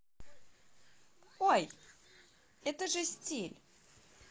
ой это же стиль